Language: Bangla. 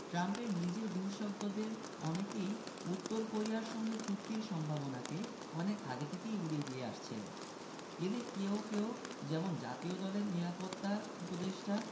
ট্রাম্পের নিজের বিশেষজ্ঞদের অনেকেই উত্তর কোরিয়ার সঙ্গে চুক্তির সম্ভাবনাকে অনেক আগে থেকেই উড়িয়ে দিয়ে আসছেন এঁদের কেউ কেউ যেমন জাতীয় নিরাপত্তা উপদেষ্টা